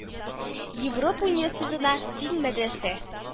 Европа университетына тиң мәдрәсә